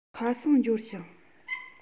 ཁ སང འབྱོར བྱུང